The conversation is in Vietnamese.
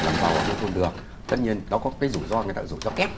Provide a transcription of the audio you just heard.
làm giàu ở nông thôn được tất nhiên nó có cái rủi ro là rủi ro kép